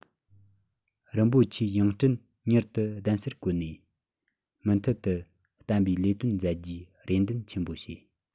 རིན པོ ཆེའི ཡང སྤྲུལ མྱུར དུ གདན སར བཀོད ནས མུ མཐུད དུ བསྟན པའི ལས དོན མཛད རྒྱུའི རེ འདུན ཆེན པོ བྱེད